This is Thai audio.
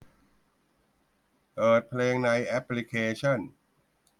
เปิดเพลงในแอปพลิเคชั่น